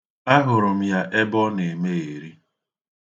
Ahụrụ m ya ebe ọ na-emegheri.